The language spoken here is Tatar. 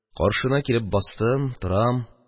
Каршына килеп бастым. Торам.